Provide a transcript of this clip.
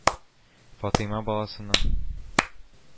Фатыйма баласының